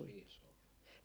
olettekos riihessä ollut